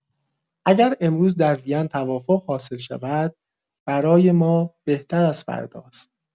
اگر امروز در وین توافق حاصل شود برای ما بهتر از فرداست.